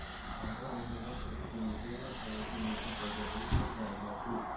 anvar o'rnidan turishga ulgurmay hovlida elchin paydo bo'lib mirzo anvarbek